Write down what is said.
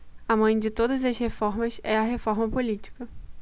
a mãe de todas as reformas é a reforma política